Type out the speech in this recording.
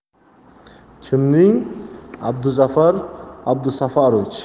kimning abduzafar abdusafarovich